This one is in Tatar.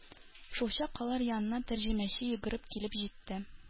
Шулчак алар янына тәрҗемәче йөгереп килеп җитте.